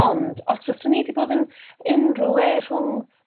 ond os fyswn i 'di bod yn unrhyw le rhwng